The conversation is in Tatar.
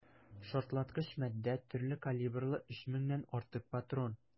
Шартлаткыч матдә, төрле калибрлы 3 меңнән артык патрон.